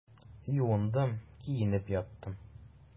Юындым, киенеп яттым.